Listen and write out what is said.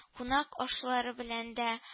Кунак ашлары белән дә